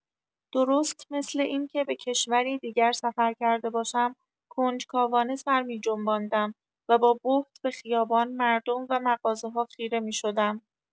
درست مثل اینکه به کشوری دیگر سفر کرده باشم کنجکاوانه سر می‌جنباندم و با بهت به خیابان، مردم و مغازه‌ها خیره می‌شدم.